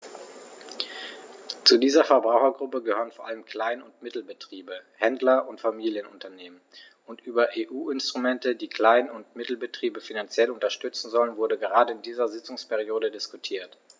Zu dieser Verbrauchergruppe gehören vor allem Klein- und Mittelbetriebe, Händler und Familienunternehmen, und über EU-Instrumente, die Klein- und Mittelbetriebe finanziell unterstützen sollen, wurde gerade in dieser Sitzungsperiode diskutiert.